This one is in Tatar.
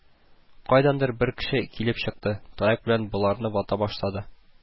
Кайдандыр бер кеше килеп чыкты, таяк белән боларны вата башлады